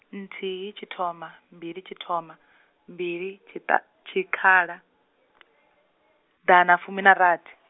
nthihi tshithoma, mbili tshithoma, mbili tshita, tshikhala, ḓana fumi na rathi.